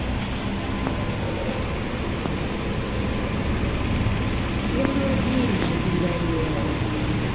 я молоденчик надоел